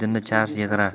oydinda chars yigirar